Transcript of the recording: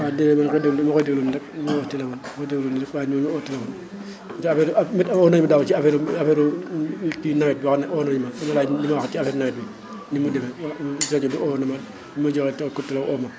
waaw déedéet man dama koy déglu dama koy déglu nii rek du énu ma woo téléphone dama koy déglu nii rek waaye du ñu ma oo téléphone ci affaire ak météo oo nañu ma daaw ci affire ci nawet bi waaw oo nañ ma di ma laaj lu ma wax ci affaire nawet bi ni mu demee wala rajo bi oo na ma * oo ma